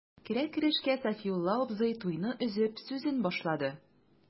Керә-керешкә Сафиулла абзый, туйны өзеп, сүзен башлады.